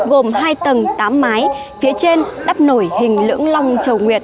gồm tầng mái đắp nổi hình lưỡng long chầu nguyệt